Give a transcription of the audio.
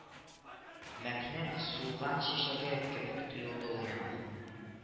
Мәкнең сулган чәчәге кебек тоелды ул миңа